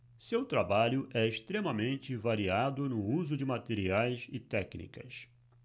seu trabalho é extremamente variado no uso de materiais e técnicas